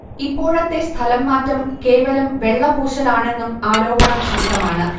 ഇപ്പോഴത്തെ സ്ഥലം മാറ്റം കേവലം വെള്ളപൂശലാണെന്നും ആരോപണം ശക്തമാണ്